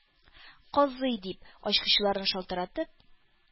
Казый!..-дип, ачкычларын шалтыратып,